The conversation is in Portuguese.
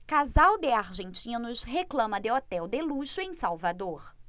casal de argentinos reclama de hotel de luxo em salvador